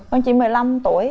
con chị mười lăm tuổi